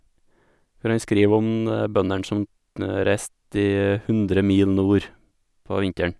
Hvor han skriver om ne bøndene som tne reiste i hundre mil nord, på vinteren.